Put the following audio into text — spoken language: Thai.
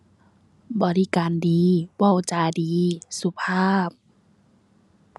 บริการดี เว้าจาดี สุภาพ